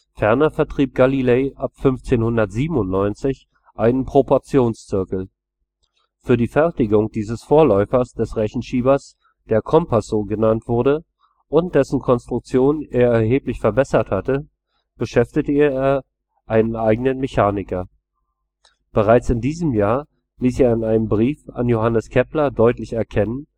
Ferner vertrieb Galilei ab 1597 einen Proportionszirkel. Für die Fertigung dieses Vorläufers des Rechenschiebers, der Compasso genannt wurde und dessen Konstruktion er erheblich verbessert hatte, beschäftigte er einen eigenen Mechaniker. Bereits in diesem Jahr ließ er in einem Brief an Johannes Kepler deutlich erkennen